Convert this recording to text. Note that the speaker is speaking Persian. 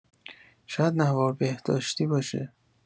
شاید نوار بهداشتی باشه